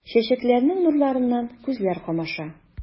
Чәчәкләрнең нурларыннан күзләр камаша.